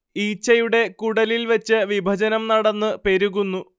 ഈച്ചയുടെ കുടലിൽ വച്ച് വിഭജനം നടന്ന് പെരുകുന്നു